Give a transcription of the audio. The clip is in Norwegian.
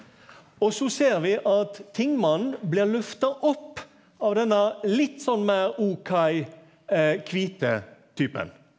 og så ser vi at tingmannen blir løfta opp av denne litt sånn meir ok kvite typen.